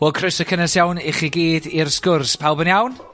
Wel, croeso cynnes iawn i chi gyd i'r sgwrs. Pawb yn iawn?